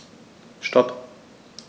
Stop.